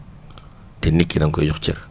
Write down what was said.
te nit ki da nga koy jox cër